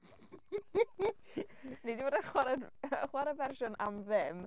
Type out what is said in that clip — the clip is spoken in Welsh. Ni 'di bod yn chwarae'r fe- ... chwarae fersiwn am ddim.